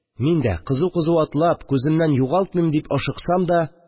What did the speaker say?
Мин дә, кызу-кызу атлап күземнән югалтмыйм дип ашыксам да